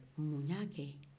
mun y'a kɛ